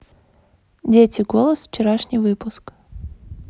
дети голос вчерашний выпуск